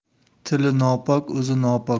tili nopok o'zi nopok